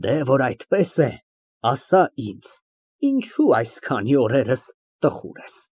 Դե, որ այդպես է, ասա ինձ, ինչո՞ւ այս քանի օրերս տխուր ես։